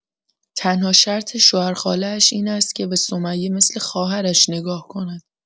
تنها شرط شوهرخاله‌اش این است که به سمیه مثل خواهرش نگاه کند.